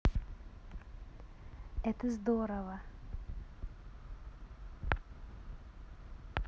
это здорово